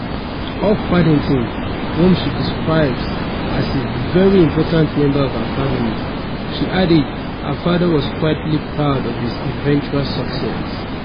Of Paddington, whom she describes as a "very important member of our family," she added her father was quietly proud of his eventual success.